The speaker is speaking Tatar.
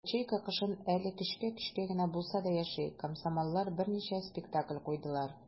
Ячейка кышын әле көчкә-көчкә генә булса да яши - комсомоллар берничә спектакль куйдылар.